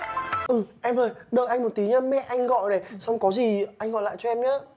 ừ em ơi đợi anh một tí nhá mẹ anh gọi này xong có gì anh gọi lại cho em nhá